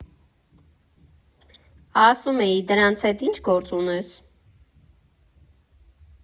Ասում էի՝ դրանց հետ ի՜նչ գործ ունես։